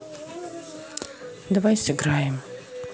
давай сыграем